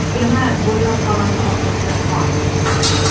kema go'yo qorong'i bo'shliqda muallaq turganday